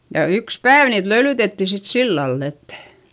ja yksi päivä niitä löylytettiin sitten sillä lailla että